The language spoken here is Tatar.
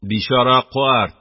Бичара карт,